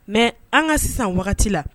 Mɛ an ka sisan wagati la